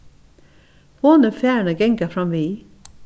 hon er farin at ganga framvið